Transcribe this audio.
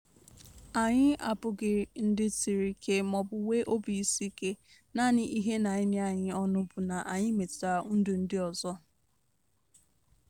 Anyị abụghị ndị siri ike maọbụ nwee obi isiike... naanị ihe na-enye anyị ọṅụ bụ na anyị metụtara ndụ ndị ọzọ.